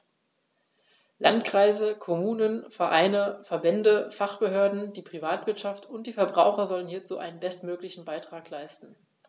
Landkreise, Kommunen, Vereine, Verbände, Fachbehörden, die Privatwirtschaft und die Verbraucher sollen hierzu ihren bestmöglichen Beitrag leisten.